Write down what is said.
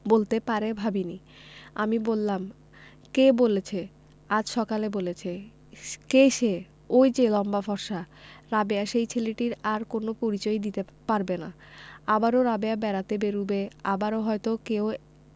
বলতে পারে ভাবিনি আমি বললাম কে বলেছে আজ সকালে বলেছে কে সে ঐ যে লম্বা ফর্সা রাবেয়া সেই ছেলেটির আর কোন পরিচয়ই দিতে পারবে না আবারও রাবেয়া বেড়াতে বেরুবে আবারো হয়তো কেউ